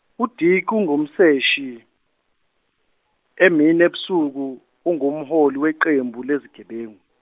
uDick ungumseshi, emini ebusuku ungumholi weqembu lezigebengu.